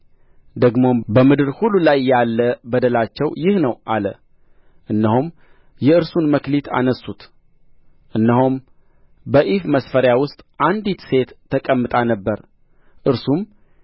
ደግሞም በምድር ሁሉ ላይ ያለ በደላቸው ይህ ነው አለ እነሆም የእርሳሱን መክሊት አነሡት እነሆም በኢፍ መስፈሪያው ውስጥ አንዲት ሴት ተቀምጣ ነበር እርሱም